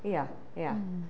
Ia ia.